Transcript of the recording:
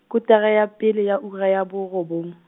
kotara ya pele ya ura ya borobong.